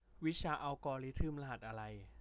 วิชาอัลกอริทึมรหัสอะไร